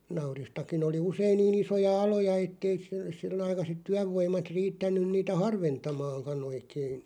nauristakin oli usein niin isoja aloja että ei -- aikaiset työvoimat riittänyt niitä harventamaankaan oikein